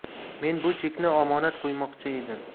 men bu chekni omonat qo'ymoqchi edim